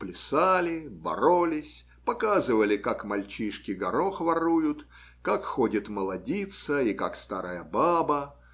плясали, боролись, показывали, как мальчишки горох воруют, как ходит молодица и как старая баба